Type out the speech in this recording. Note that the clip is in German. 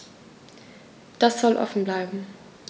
Das soll offen bleiben.